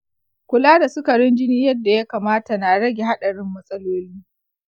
kula da sukarin jini yadda ya kamata na rage haɗarin matsaloli...